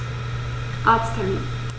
Arzttermin